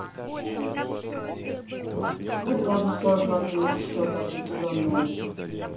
мне тоже сложно ответить что то определенное